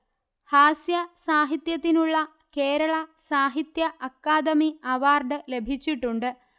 ഹാസ്യ സാഹിത്യത്തിനുള്ള കേരള സാഹിത്യ അക്കാദമി അവാർഡ് ലഭിച്ചിട്ടുണ്ട്